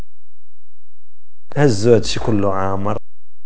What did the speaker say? عزوز شكل عامر